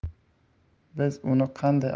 biz uni qanday